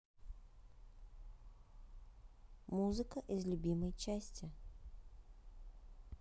музыка из любимой части